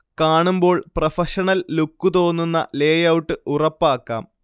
കാണുമ്പോൾ professional look തോന്നുന്ന layout ഉറപ്പാക്കാം